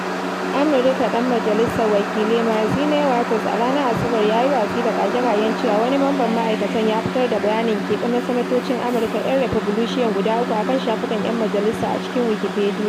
Amurka Ɗan Majalisar Wakilai Maxine Waters a ranar Asabar ya yi watsi da ƙage-ƙagen cewa wani mamban ma'aikatanta ya fitar da bayanin keɓe na sanatocin Amurka 'yan Republican guda uku a kan shafukan 'yan majalisar a cikin Wikipedia.